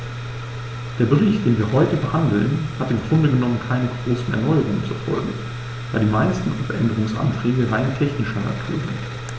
Der Bericht, den wir heute behandeln, hat im Grunde genommen keine großen Erneuerungen zur Folge, da die meisten Abänderungsanträge rein technischer Natur sind.